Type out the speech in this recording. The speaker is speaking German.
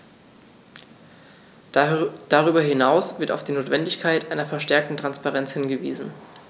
Darüber hinaus wird auf die Notwendigkeit einer verstärkten Transparenz hingewiesen.